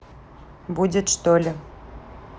будет что ли